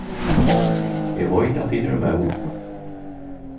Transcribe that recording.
eg veit at tit eru móð